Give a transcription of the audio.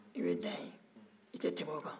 i bɛ dan yen i tɛ tɛmɛ o kan